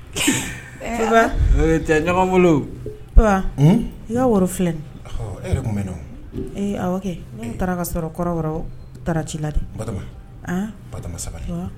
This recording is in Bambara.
Tɛ bolo i'a woro filɛ bɛ kɛ taara ka sɔrɔ kɔrɔ taara ci la sabali